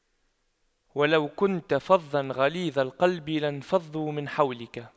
وَلَو كُنتَ فَظًّا غَلِيظَ القَلبِ لاَنفَضُّواْ مِن حَولِكَ